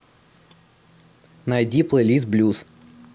найди плейлист блюз